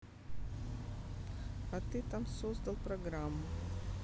а ты там создал программу